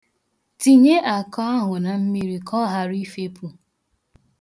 Tinye akụ ahụ na mmiri ka ọ ghara ifepu.